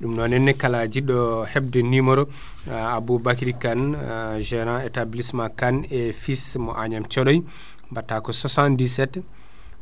ɗum non hennena kala jidɗo hebde numéro Aboubacry Kane gérant établissement Kane et fils mo Agnam Thioday batta ko 77